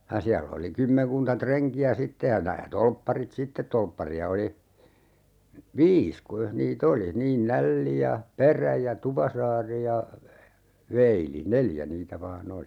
ja siellä oli kymmenkunta renkiä sitten ja nämä torpparit sitten torppareita oli viisi kuinkas niitä oli niin Nälli ja Perä ja Tupasaari ja Veili neljä niitä vain oli